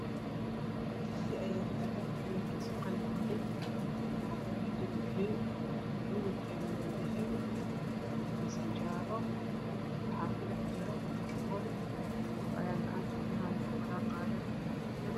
Digsi ayaa yaalo kalarkisu qalin yahay waxaa kudhex jira galay midabkeedu waa dabahi mise jaaalo waxaa kudhe jiro qori qof ayaa gacanta ku hayo walaqayoo